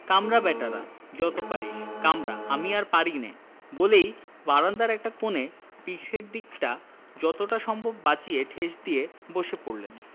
কামড়া ব্যাটারা যত পারিস কামড়া আমি আর পারিনে বলেই বারান্দার একটা কোণে পিঠের দিকটা যতটা সম্ভব বাঁচিয়ে ঠেস দিয়ে বসে পড়লেন